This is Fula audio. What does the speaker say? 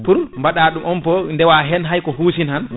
pour baɗa ɗum un peu dewahen hayko husina han